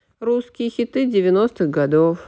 русские хиты девяностых годов